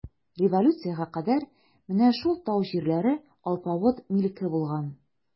Революциягә кадәр менә шул тау җирләре алпавыт милке булган.